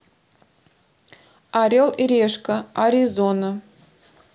орел и решка аризона